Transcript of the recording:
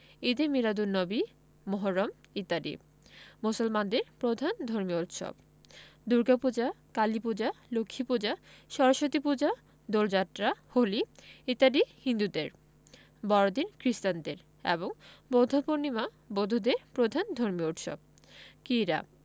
ঈদে মীলাদুননবী মুহররম ইত্যাদি মুসলমানদের প্রধান ধর্মীয় উৎসব দুর্গাপূজা কালীপূজা লক্ষ্মীপূজা সরস্বতীপূজা দোলযাত্রা হোলি ইত্যাদি হিন্দুদের বড়দিন খ্রিস্টানদের এবং বৌদ্ধপূর্ণিমা বৌদ্ধদের প্রধান ধর্মীয় উৎসব কীড়াঃ